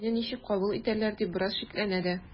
“мине ничек кабул итәрләр” дип бераз шикләнә дә.